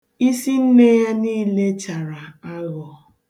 Isi nne ya niile chara aghọ.